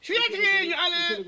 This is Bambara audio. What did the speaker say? Suatigui ɲagalé